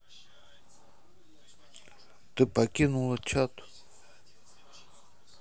ты покинула чат